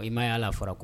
I ma yala ala fɔra